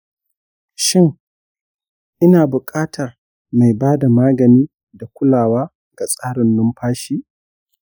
shin ina buƙatar mai ba da magani da kulawa ga tsarin numfashi?